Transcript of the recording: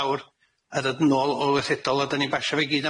lawr a dod nôl o'r weithredol a 'dan ni'n basio fe i gyd